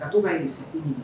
Ka to k kaa sigi i ɲini